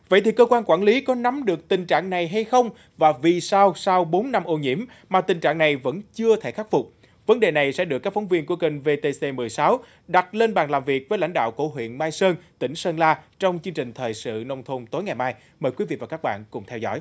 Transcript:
vậy thì cơ quan quản lý có nắm được tình trạng này hay không và vì sao sau bốn năm ô nhiễm mà tình trạng này vẫn chưa thể khắc phục vấn đề này sẽ được các phóng viên của kênh vtc mười sáu đặt lên bàn làm việc với lãnh đạo của huyện mai sơn tỉnh sơn la trong chương trình thời sự nông thôn tối ngày mai mời quý vị và các bạn cùng theo dõi